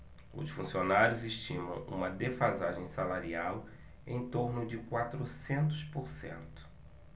os funcionários estimam uma defasagem salarial em torno de quatrocentos por cento